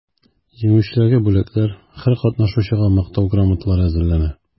Җиңүчеләргә бүләкләр, һәр катнашучыга мактау грамоталары әзерләнә.